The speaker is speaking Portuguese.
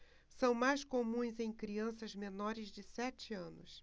são mais comuns em crianças menores de sete anos